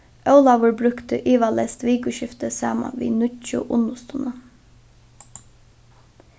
ólavur brúkti ivaleyst vikuskiftið saman við nýggju unnustuni